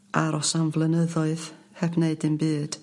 aros am flynyddoedd heb wneud dim byd.